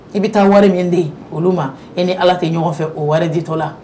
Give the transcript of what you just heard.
I bɛ taa wari min den olu ma e ni ala tɛ ɲɔgɔn fɛ o wɛrɛ ditɔ la